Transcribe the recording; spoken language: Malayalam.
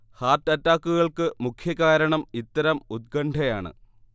ഹാർട്ട് അറ്റാക്കുകൾക്കു മുഖ്യ കാരണം ഇത്തരം ഉത്കണഠയാണ്